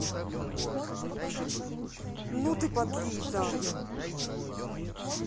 ну ты подлиза